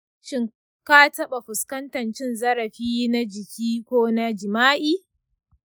shin ka taɓa fuskantar cin zarafi na jiki ko na jima’i?